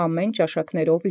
Հաւատոցն ճշմարտութեան։